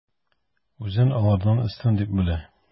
Үзен алардан өстен дип белә.